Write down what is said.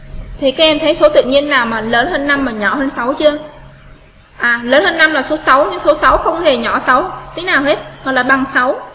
thế thì em thấy số tự nhiên nào mà lớn hơn và nhỏ hơn chưa lớn hơn là số số không hề nhỏ xấu tí nào hết là bằng